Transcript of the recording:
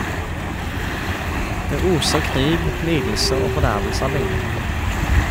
Det oser krig, lidelse og fordervelse av bildet.